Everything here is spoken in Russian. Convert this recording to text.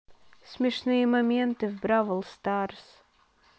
смешные моменты в бравл старс